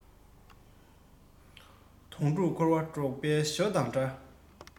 དེ འདྲའི ལམ དུ འགྲོ བཟོ སྡོད མཁས མཛོད